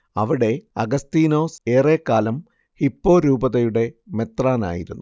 അവിടെ അഗസ്തീനോസ് ഏറെക്കാലം ഹിപ്പോ രൂപതയുടെ മെത്രാനായിരിരുന്നു